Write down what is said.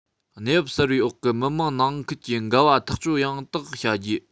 གནས བབ གསར པའི འོག གི མི དམངས ནང ཁུལ གྱི འགལ བ ཐག གཅོད ཡང དག བྱ རྒྱུ